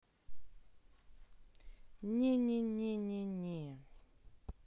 не не не не не